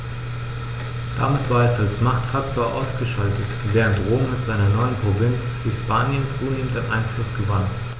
Damit war es als Machtfaktor ausgeschaltet, während Rom mit seiner neuen Provinz Hispanien zunehmend an Einfluss gewann.